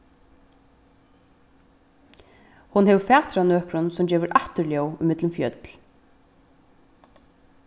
hon hevur fatur á nøkrum sum gevur afturljóð millum fjøll